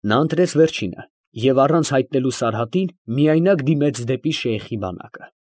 Նա ընտրեց վերջինը, և առանց հայտնելու Սարհատին միայնակ դիմեց դեպի շեյխի բանակը։